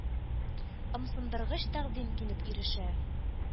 Ымсындыргыч тәкъдим килеп ирешә.